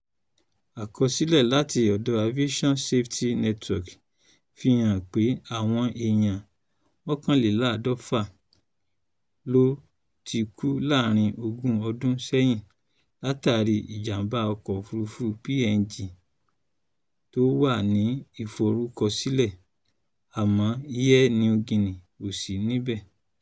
Àkọsílẹ̀ láti ọ̀dọ Aviation Safety Network fi hàn pé àwọn èèyàn 111 ló ti kú láàrin ogún ọdún sẹ́yìn látàrí ìjàm̀bá ọkọ-òfúrufú PNG tó wà ní ìforúkọsílẹ̀ , àmọ́ Air Niugini ò sí níbẹ̀.